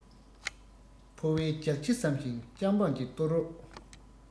ཕོ བའི རྒྱགས ཕྱེ བསམ ཞིང སྐྱ འབངས ཀྱི བརྟུལ རོགས